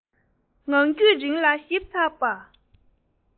ངང རྒྱུད རིང ལ ཞིབ ཚགས པ